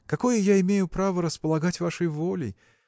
какое я имею право располагать вашей волей?